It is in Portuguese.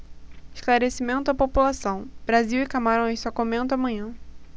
esclarecimento à população brasil e camarões só comento amanhã